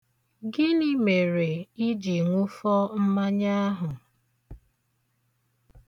Gịnị mere iji ṅụfọ mmanya ahụ?